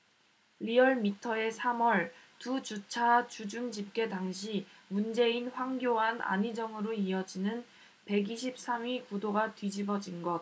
리얼미터의 삼 월 두 주차 주중집계 당시 문재인 황교안 안희정으로 이어지는 백 이십 삼 위 구도가 뒤집어진 것